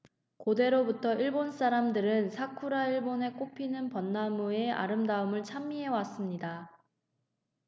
고대로부터 일본 사람들은 사쿠라 일본의 꽃피는 벚나무 의 아름다움을 찬미해 왔습니다